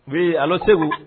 Bi ala segu